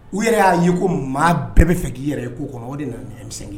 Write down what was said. U yɛrɛ y'a ye ko maa bɛɛ bɛ fɛ k'i yɛrɛ ye k'o kama o de nana ninmisɛn ye